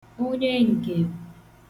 onye ngem